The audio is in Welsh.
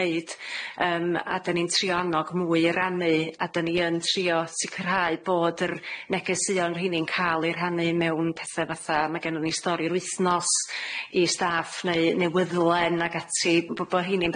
neud, yym a dyn ni'n trio annog mwy i rannu a da ni yn trio sicirhau bod yr negesïon rheinyn ca'l i rannu mewn pethe fatha ma' gennon ni stori'r wythnos i staff neu newyddlen ag ati bo' bo' rheinyn